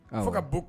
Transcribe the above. Fo ka bo